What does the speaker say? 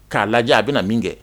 K'a lajɛ a bɛna min kɛ